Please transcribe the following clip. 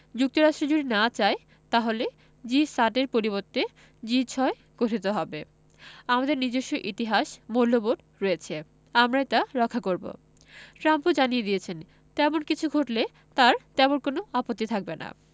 যুক্তরাষ্ট্র যদি না চায় তাহলে জি ৭ এর পরিবর্তে জি ৬ গঠিত হবে আমাদের নিজস্ব ইতিহাস মূল্যবোধ রয়েছে আমরাই তা রক্ষা করব ট্রাম্পও জানিয়ে দিয়েছেন তেমন কিছু ঘটলে তাঁর তেমন কোনো আপত্তি থাকবে না